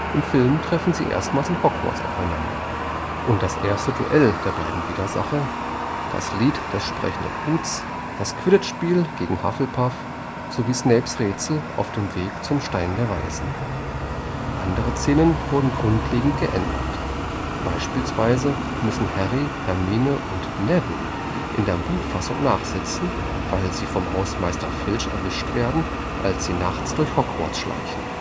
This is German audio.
im Film treffen sie erstmals in Hogwarts aufeinander – und das erste Duell der beiden Widersacher, das Lied des Sprechenden Huts, das Quidditch-Spiel gegen Hufflepuff, sowie Snapes Rätsel auf dem Weg zum Stein der Weisen. Andere Szenen wurden grundlegend geändert. Beispielsweise müssen Harry, Hermine und Neville in der Buchfassung nachsitzen, weil sie vom Hausmeister Filch erwischt werden, als sie nachts durch Hogwarts schleichen